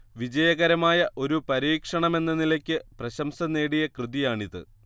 വിജയകരമായ ഒരു പരീക്ഷണമെന്ന നിലയ്ക്ക് പ്രശംസ നേടിയ കൃതിയാണിത്